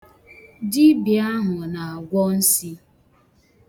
Dibia ahụ na-agwọ nsi